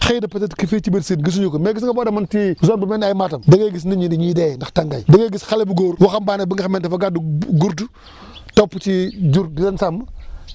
xëy na peut être que fii ci biir Sine gisuñu ko mais gis nga boo demoon ci zone bu mel ni ay Matam da ngay gis nit ñi ni ñuy deeyee ndax tàngaay da ngay gis xale bu góor waxamabaane bi nga xam ne dafa gàddu gurtu topp ci jur di leen sàmm